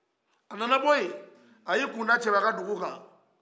a nana bɔ ye a ye a kunda cɛba ka dugu kan